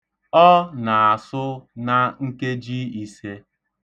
Ọ na-asụ na nkeji ise.